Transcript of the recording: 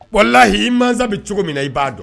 Kolahi mansasa bɛ cogo min na i b'a dɔn